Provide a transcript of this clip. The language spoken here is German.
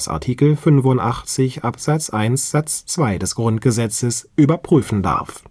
Art. 85 Abs. 1 Satz 2 GG) überprüfen darf